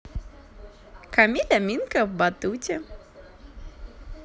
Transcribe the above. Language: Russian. камиль аминка в батуте